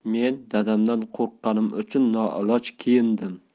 men dadamdan qo'rqqanim uchun noiloj kiyindim